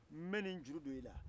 n bɛ nin jurudon i la